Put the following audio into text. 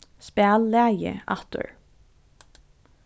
spæl lagið aftur